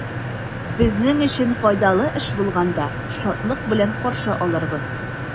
Безнең өчен файдалы эш булганда, шатлык белән каршы алырбыз.